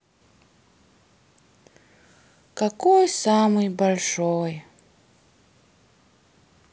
какой самый большой